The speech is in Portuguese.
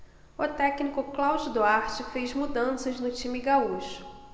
o técnico cláudio duarte fez mudanças no time gaúcho